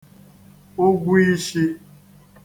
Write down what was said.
ụgwọ īshī